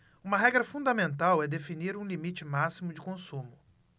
uma regra fundamental é definir um limite máximo de consumo